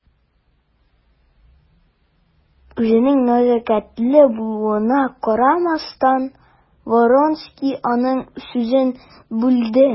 Үзенең нәзакәтле булуына карамастан, Вронский аның сүзен бүлде.